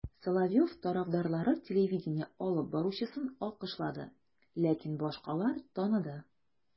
Соловьев тарафдарлары телевидение алып баручысын алкышлады, ләкин башкалар таныды: